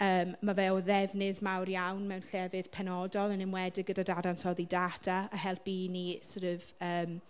Yym ma' fe o ddefnydd mawr iawn mewn llefydd penodol yn enwedig gyda dadansoddi data a helpu i ni sort of yym...